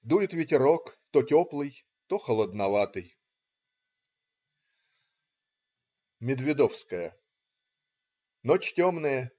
Дует ветерок, то теплый, то холодноватый. Медведовская Ночь темная.